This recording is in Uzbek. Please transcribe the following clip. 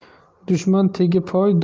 dushman tegi poy